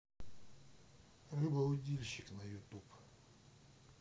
рыба удильщик на ютуб